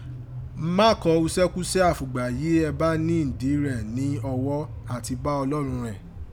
Máà kọ̀ uṣẹ́kúṣẹ́ àfùgbà yìí éè bá ní dí rẹ ni ọ́wọ́ à ti bá Ọlọ́run rẹ̀n.